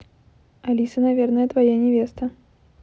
алиса наверное твоя невеста